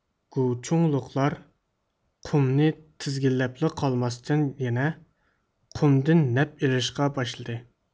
گۇچۇڭلۇقلار قۇمنى تىزگىنلەپلا قالماستىن يەنە قۇمدىن نەپ ئېلىشقا باشلىدى